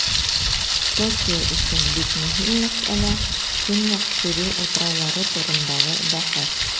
Токио өчен бик мөһим мәсьәлә - Көньяк Курил утраулары турындагы бәхәс.